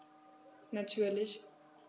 Natürlich.